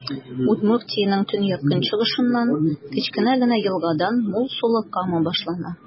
Удмуртиянең төньяк-көнчыгышыннан, кечкенә генә елгадан, мул сулы Кама башлана.